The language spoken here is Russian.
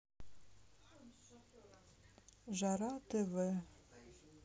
жара тв